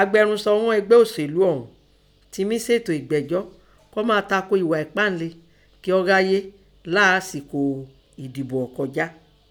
Agbẹrunsọ ún ẹgbẹ́ ọ̀ṣèlú ọ̀ún tẹ mí sètò ẹ̀gbẹ́jọ́ kọ́ máa tako ẹ̀wà ẹ̀páǹle kí ọ́ háyé lásìkò ẹ̀dìbò ọ́ kọjá.